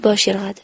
bosh irg'adi